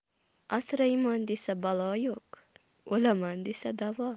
asrayman desa balo yo'q o'laman desa davo